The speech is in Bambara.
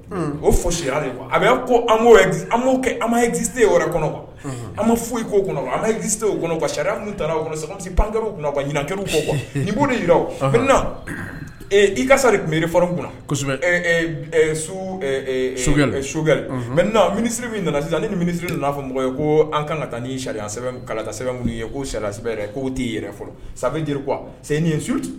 O a kose kɔnɔ an ma foyi'o kɔnɔ anjise kɔnɔ sariya o kɔnɔ pankɛw kaan ni b'o jiraina i ka sa de tune f kunna kosɛbɛ mɛ minisiriri min nana sisan ni minisiriri nanaa fɔ mɔgɔ ye ko an kan ka taa n sariya sɛbɛn kala sɛbɛn ye' sariya k'o t'i yɛrɛ fɔlɔ san jiri kuwa ye su